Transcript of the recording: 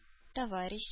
Товарищ